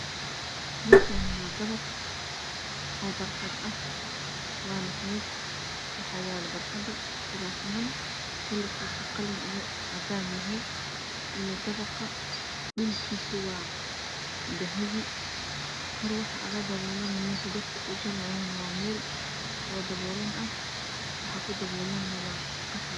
Meshan waa dabaq oo barxad ah wana xeeb waxana yaala barxada kuraasman kalarkisa qalin iyo cadan yahy dabaqa dhulkiisa waa dahabi kor waxa ugu daboolan mesha dadka ay galayan waa mel dabolan ah waxa kudabolan waa qaxwi